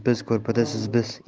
ko'rpada siz biz